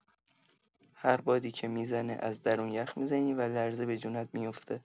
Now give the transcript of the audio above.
هر بادی که می‌زنه از درون یخ می‌زنی و لرزه به جونت میوفته.